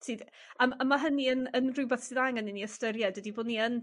Sydd... A m' a ma' hynny yn yn rhyw beth sydd angen i ni ystyried ydi bo' yn